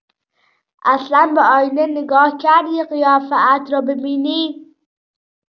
اصلا به آینه نگاه کردی قیافه‌ات رو ببینی؟